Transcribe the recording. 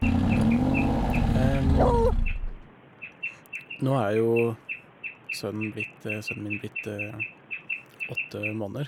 Nå er jo sønnen blitt sønnen min blitt åtte måneder.